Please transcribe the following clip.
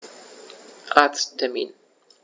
Arzttermin